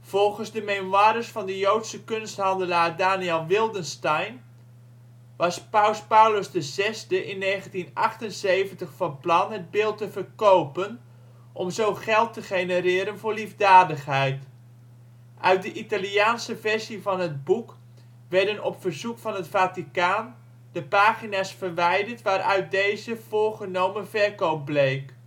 Volgens de memoires van de joodse kunsthandelaar Daniel Wildenstein was paus Paulus VI in 1978 van plan het beeld te verkopen om zo geld te genereren voor liefdadigheid. Uit de Italiaanse versie van het boek werden op verzoek van het Vaticaan de pagina’ s verwijderd waaruit deze voorgenomen verkoop bleek